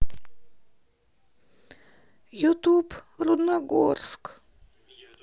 ютуб рудногорск